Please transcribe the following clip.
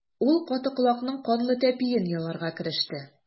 Ул каты колакның канлы тәпиен яларга кереште.